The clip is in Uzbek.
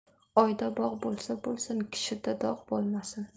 oyda dog' bo'lsa bo'lsin kishida dog' bo'lmasin